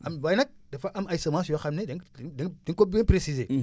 am waaye nag daf am ay semence yoo xam ne da ngay didi nga di nga ko pré précisé